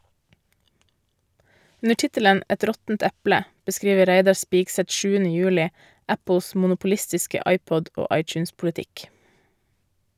Under tittelen "Et råttent eple" beskriver Reidar Spigseth 7. juli Apples monopolistiske iPod- og iTunes-politikk.